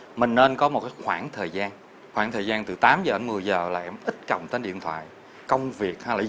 mình nên có một cái khoảng thời gian khoảng thời gian từ tám giờ đến mười giờ là em ít cầm tới điện thoại công việc hay là